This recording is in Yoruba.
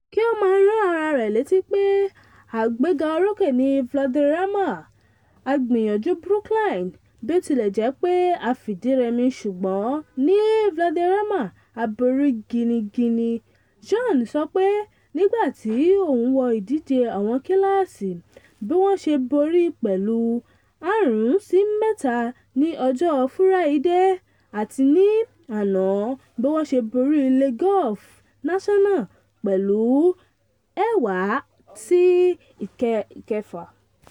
“Kí ó máa rán ara rẹ létí pé a gbégbá orókè ní Valderrama; a gbìyànjú Brookline bí ó tilẹ̀ jẹ́ pé a fìdí rẹmi, ṣùgbọ́n ní Valderrama a bórí gíníngínín. Bjorn, sọ pé nígbàtí òun wó ìdíje àwọn kíílàsì 2018 bí wọ́n ṣe borí pẹ̀lú 5-3 ní ọjọ́ Furaide àti ní àná bí wọ́n ṣe borí Le Golf National pẹ̀lú 10-6.